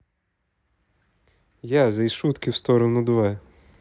я the шутки в сторону два